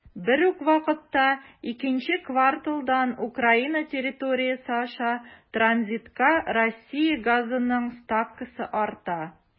Бер үк вакытта икенче кварталдан Украина территориясе аша транзитка Россия газының ставкасы арта.